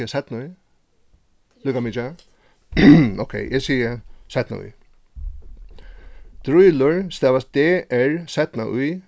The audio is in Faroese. ý líka mikið ha ókey eg sigi ý drýlur stavast d r ý